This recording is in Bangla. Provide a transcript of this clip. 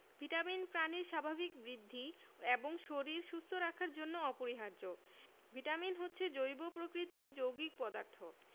ভিটামিন প্রাণীর স্বাভাবিক বৃদ্ধি এবং শরীর সুস্থ রাখার জন্য অপরিহার্য ভিটামিন হচ্ছে জৈব প্রকৃতির যৌগিক পদার্থ